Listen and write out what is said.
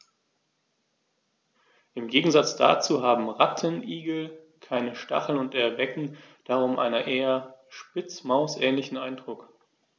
Im Gegensatz dazu haben Rattenigel keine Stacheln und erwecken darum einen eher Spitzmaus-ähnlichen Eindruck.